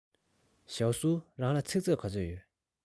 ཞའོ སུའུ རང ལ ཚིག མཛོད ག ཚོད ཡོད